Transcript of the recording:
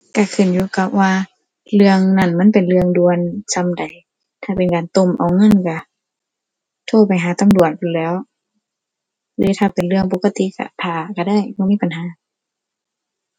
ก็ขึ้นอยู่กับว่าเรื่องนั้นมันเป็นเรื่องด่วนส่ำใด ถ้าเป็นการต้มเอาเงินก็โทรไปหาตำรวจพู้นแหล้ว หรือถ้าเป็นเรื่องปกติก็ท่าก็ได้ บ่มีปัญหา